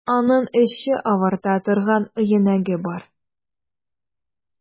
Аның эче авырта торган өянәге бар.